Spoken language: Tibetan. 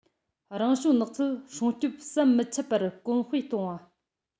རང བྱུང ནགས ཚལ སྲུང སྐྱོང ཟམ མི ཆད པར གོང སྤེལ གཏོང བ